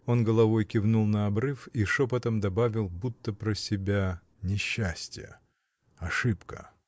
— Он головой кивнул на обрыв и шепотом добавил, будто про себя, — несчастье. ошибка.